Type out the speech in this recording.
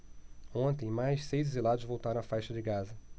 ontem mais seis exilados voltaram à faixa de gaza